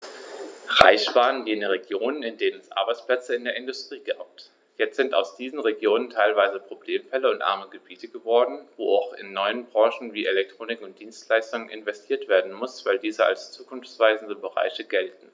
Reich waren jene Regionen, in denen es Arbeitsplätze in der Industrie gab. Jetzt sind aus diesen Regionen teilweise Problemfälle und arme Gebiete geworden, wo auch in neue Branchen wie Elektronik und Dienstleistungen investiert werden muss, weil diese als zukunftsweisende Bereiche gelten.